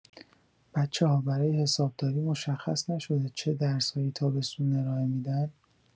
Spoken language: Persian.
بچه‌ها برای حسابداری مشخص نشده چه درسایی تابستون ارائه می‌دن؟